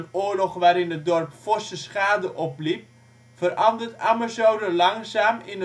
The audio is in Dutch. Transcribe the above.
oorlog waarin het dorp forse schade opliep, verandert Ammerzoden langzaam in